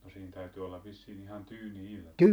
no siinä täytyi olla vissiin ihan tyyni ilma